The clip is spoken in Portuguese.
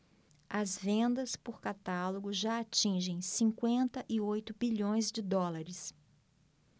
as vendas por catálogo já atingem cinquenta e oito bilhões de dólares